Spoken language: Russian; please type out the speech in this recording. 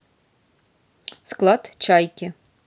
склад чайки